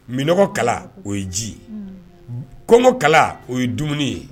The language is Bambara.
Minnɔgɔkala o ye ji kɔngɔkala o ye dumuni ye